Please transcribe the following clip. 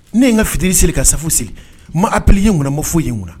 Ne n ka fitiri siri ka sago sen ma apl ye ŋ ma foyi ye kunna